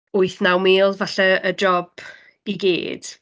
wyth, naw mil falle, y job i gyd.